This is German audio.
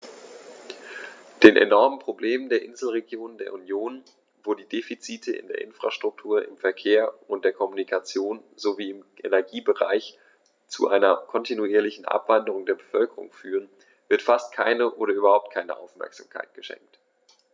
Den enormen Problemen der Inselregionen der Union, wo die Defizite in der Infrastruktur, im Verkehr, in der Kommunikation sowie im Energiebereich zu einer kontinuierlichen Abwanderung der Bevölkerung führen, wird fast keine oder überhaupt keine Aufmerksamkeit geschenkt.